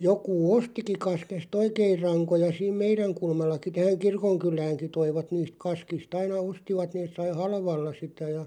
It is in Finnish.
joku ostikin kaskesta oikein rankoja siinä meidän kulmallakin tähän kirkonkyläänkin toivat niistä kaskista aina ostivat ne sai halvalla sitä ja